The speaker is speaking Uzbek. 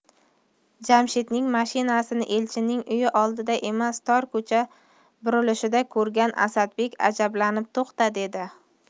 jamshidning mashinasini elchinning uyi oldida emas tor ko'cha burilishida ko'rgan asadbek ajablanib to'xta dedi